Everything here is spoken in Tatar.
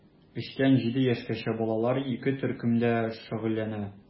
3 тән 7 яшькәчә балалар ике төркемдә шөгыльләнә.